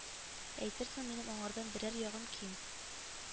Әйтерсең, минем аңардан берәр ягым ким